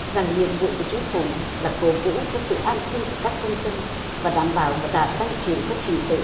rằng nhiệm vụ của chính phủ là cổ vũ cho sự an sinh của các công dân và đảm bảo một đà tăng trưởng các trình tự